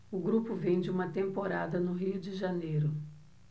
o grupo vem de uma temporada no rio de janeiro